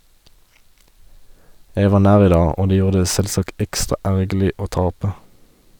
Jeg var nær i dag, og det gjorde det selvsagt ekstra ergerlig å tape.